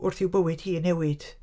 Wrth i'w bywyd hi newid...